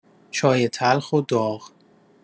چای تلخ و داغ